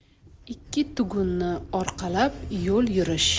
ikki tugunni orqalab yo'l yurish